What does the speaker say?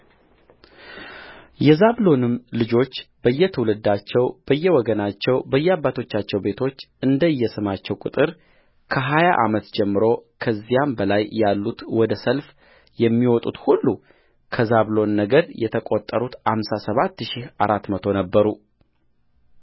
የዛብሎን ልጆች በየትውልዳቸው በየወገናቸው በየአባቶቻቸው ቤቶች እንደየስማቸው ቍጥር ከሀያ ዓመት ጀምሮ ከዚያም በላይ ያሉት ወደ ሰልፍ የሚወጡት ሁሉከዛብሎን ነገድ የተቈጠሩት አምሳ ሰባት ሺህ አራት መቶ ነበሩ